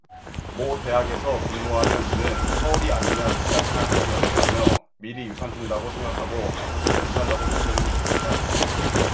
모 대학에서 근무하는 그는 서울이 아니면 직장생활하기 어렵다며 미리 유산 준다고 생각하고 아파트를 해 달라고 목소리를 높였다